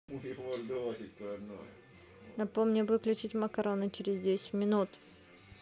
напомни выключить макароны через десять минут